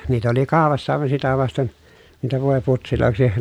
niitä oli kaupassa aivan sitä vasten niitä voiputseiksi